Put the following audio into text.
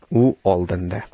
u oldinda